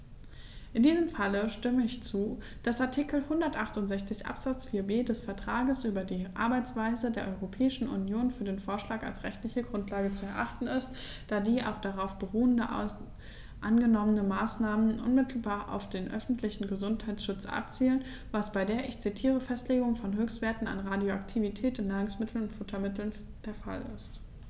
In diesem Fall stimme ich zu, dass Artikel 168 Absatz 4b des Vertrags über die Arbeitsweise der Europäischen Union für den Vorschlag als rechtliche Grundlage zu erachten ist, da die auf darauf beruhenden angenommenen Maßnahmen unmittelbar auf den öffentlichen Gesundheitsschutz abzielen, was bei der - ich zitiere - "Festlegung von Höchstwerten an Radioaktivität in Nahrungsmitteln und Futtermitteln" der Fall ist.